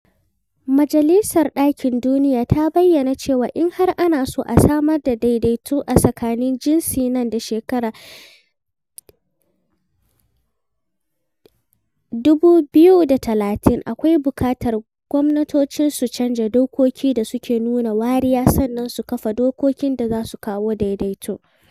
Majalisar ɗinkin Duniya ta bayyana cewa in har ana so a samar da daidaito a tsakanin jinsi nan da shekarar 2030, akwai buƙatar gwamnatoci su chanja dokoki da suke nuna wariya sannan su kafa dokokin da za su kawo daidaito.